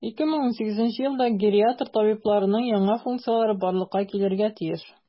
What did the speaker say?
2018 елда гериатр табибларның яңа функцияләре барлыкка килергә тиеш.